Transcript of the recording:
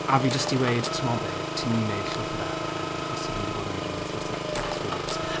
A fi jyst 'di weud "timod be. Ti mynd i wneud llwyth o bethau heddi achos ti ddim 'di bod yn wneud unrhyw beth dros y past few weeks".